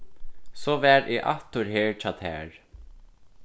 so var eg aftur her hjá tær